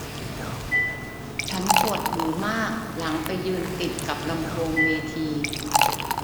ฉันปวดหูมากหลังไปยืนติดกับลำโพงเวที